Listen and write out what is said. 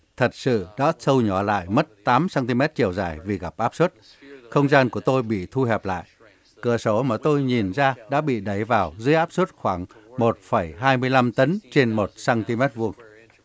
thật sự đã thâu nhỏ lại mất tám xăng ti mét chiều dài vì gặp áp suất không gian của tôi bị thu hẹp lại cửa sổ mà tôi nhìn ra đã bị đẩy vào dưới áp suất khoảng một phẩy hai mươi lăm tấn trên một xăng ti mét vuông